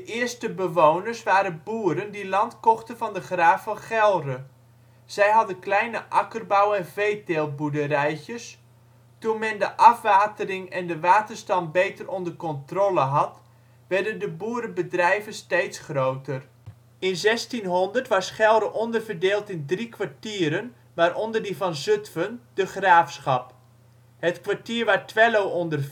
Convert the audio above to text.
eerste bewoners waren boeren die land kochten van de graaf van Gelre. Zij hadden kleine akkerbouw en veeteelt-boerderijtjes. Toen men de afwatering en de waterstand beter onder controle had werden de boerenbedrijven steeds groter. In 1600 was Gelre onderverdeeld in drie kwartieren, waaronder die van Zutphen (de Graafschap). Het kwartier waar Twello onder viel